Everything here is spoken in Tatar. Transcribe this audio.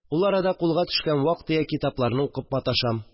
Ул арада кулга төшкән вак-төяк китапларны укып маташам